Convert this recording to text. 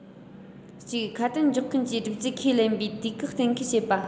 གཅིག ཁ དན འཇོག མཁན གྱིས བསྒྲུབ རྒྱུ ཁས ལེན པའི དུས བཀག གཏན འཁེལ བྱས པ